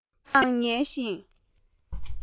ཁེར རྐྱང ངང འོ མ འཐུང དགོས